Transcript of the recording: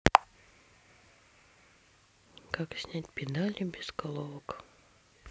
как снять педали без головок